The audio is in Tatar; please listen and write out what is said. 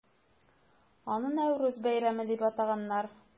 Аны Нәүрүз бәйрәме дип атаганнар.